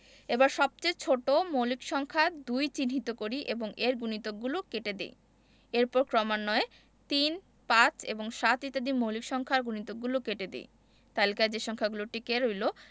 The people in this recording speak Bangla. এবার সবচেয়ে ছোট মৌলিক সংখ্যা ২ চিহ্নিত করি এবং এর গুণিতকগলো কেটে দেই এরপর ক্রমান্বয়ে ৩ ৫ এবং ৭ ইত্যাদি মৌলিক সংখ্যার গুণিতকগুলো কেটে দিই তালিকায় যে সংখ্যাগুলো টিকে রইল